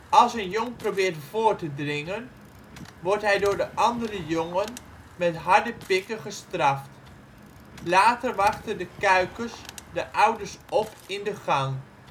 Als een jong probeert voor te dringen, wordt hij door de andere jongen met harde pikken gestraft. Later wachten de kuikens de ouders op in de gang